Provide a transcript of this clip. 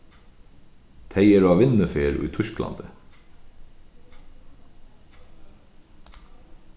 tey eru á vinnuferð í týsklandi